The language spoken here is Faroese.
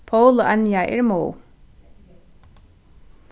pól og anja eru móð